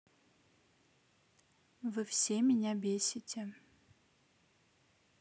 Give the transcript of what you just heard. вы все меня бесите